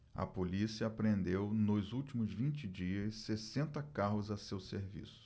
a polícia apreendeu nos últimos vinte dias sessenta carros a seu serviço